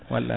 wallay